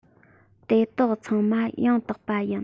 དེ དག ཚང མ ཡང དག པ ཡིན